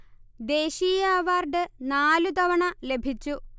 ദേശീയ അവാർഡ് നാലു തവണ ലഭിച്ചു